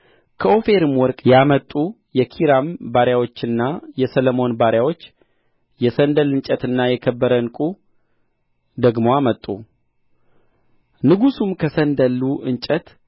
ከኦፊርም ወርቅ ያመጡ የኪራም ባሪያዎችና የሰሎሞን ባሪያዎች የሰንደል እንጨትና የከበረ ዕንቍ ደግሞ አመጡ ንጉሡም ከሰንደሉ እንጨት